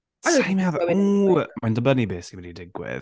Sa i'n medd- ww! mae'n dibynnu be sy wedi digwydd.